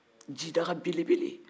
jidaga belebele